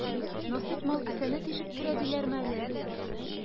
Насыйп мал кесәне тишеп керә диләрме әле?